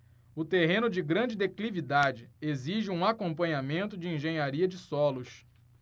o terreno de grande declividade exige um acompanhamento de engenharia de solos